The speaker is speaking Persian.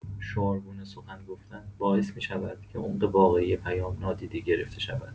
شعارگونه سخن گفتن باعث می‌شود که عمق واقعی پیام نادیده گرفته شود.